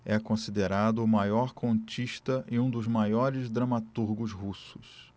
é considerado o maior contista e um dos maiores dramaturgos russos